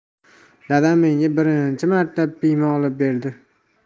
dadam menga birinchi marta piyma olib berdi